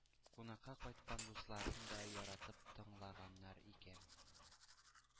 Кунакка кайткан дусларым да яратып тыңлаганнар икән.